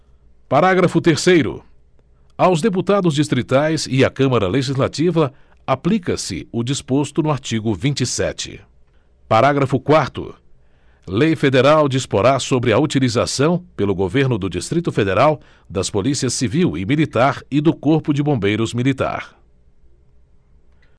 parágrafo terceiro aos deputados distritais e à câmara legislativa aplica se o disposto no artigo vinte e sete parágrafo quarto lei federal disporá sobre a utilização pelo governo do distrito federal das polícias civil e militar e do corpo de bombeiros militar